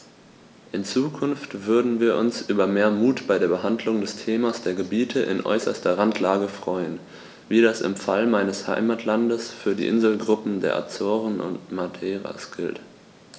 In Zukunft würden wir uns über mehr Mut bei der Behandlung des Themas der Gebiete in äußerster Randlage freuen, wie das im Fall meines Heimatlandes für die Inselgruppen der Azoren und Madeiras gilt.